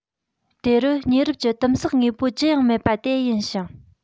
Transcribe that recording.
དེ རུ ཉེ རབས ཀྱི དིམ བསགས དངོས པོ ཅི ཡང མེད པ དེ ཡིན ཞིང